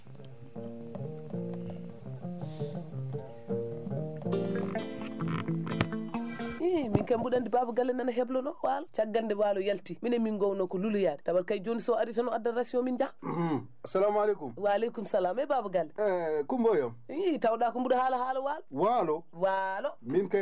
publicité